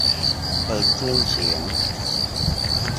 เปิดเครื่องเสียง